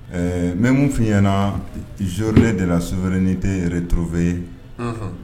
Ɛɛ mɛ min fyɲɛna sore de la so wɛrɛin tɛ reororooro ve ye